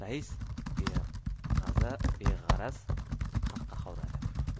rais beg'araz qahqaha uradi